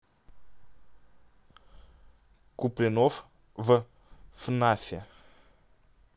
куплинов в фнафе